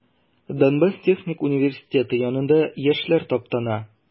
Донбасс техник университеты янында яшьләр таптана.